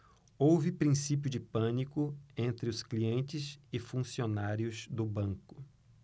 houve princípio de pânico entre os clientes e funcionários do banco